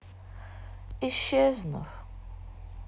исчезнув